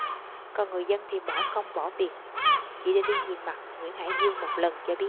còn người dân thì bỏ công bỏ việc chỉ để đi nhìn mặt nguyễn hải dương một lần cho biết